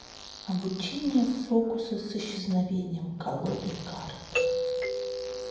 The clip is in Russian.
обучение фокуса с исчезновением колоды карт